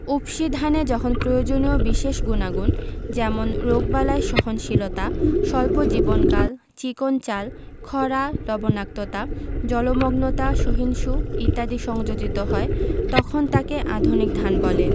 উফশী ধানে যখন প্রয়োজনীয় বিশেষ গুনাগুণ যেমন রোগবালাই সহনশীলতা স্বল্প জীবনকাল চিকন চাল খরা লবনাক্ততা জলমগ্নতা সহিষ্ণু ইত্যাদি সংযোজিত হয় তখন তাকে আধুনিক ধান বলে